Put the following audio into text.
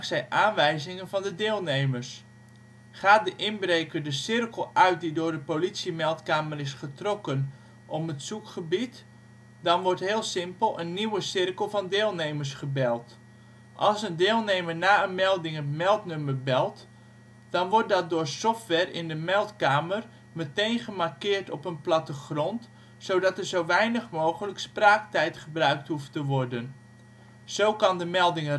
aanwijzingen van de deelnemers. Gaat de inbreker de cirkel uit die door de politiemeldkamer is getrokken om het zoekgebied, dan wordt heel simpel een nieuwe cirkel van deelnemers gebeld. Als een deelnemer na een melding het meldnummer belt, dan wordt dat door software in de meldkamer meteen gemarkeerd op een plattegrond, zodat er zo weinig mogelijk spraaktijd gebruikt hoeft te worden. Zo kan de melding razendsnel